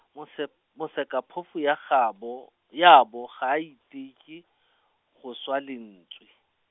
mosep-, Mosekaphofu ya gaabo, yaabo ga iteke, go swa lentswe.